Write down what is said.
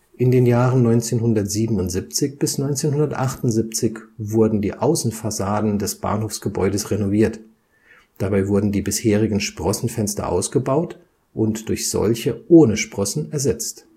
In den Jahren 1977 bis 1978 wurden die Außenfassaden des Bahnhofsgebäudes renoviert, dabei wurden die bisherigen Sprossenfenster ausgebaut und durch solche ohne Sprossen ersetzt